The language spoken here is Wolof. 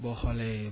boo xoolee